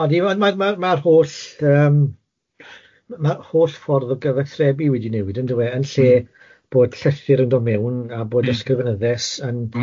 Odi ond mae'r mae'r mae'r holl yym, mae holl ffordd o gyfathrebu wedi newid yndyw e... M-hm. ...yn lle bod llythyr yn dod mewn a bod ysgrifeneddus yn... M-hm.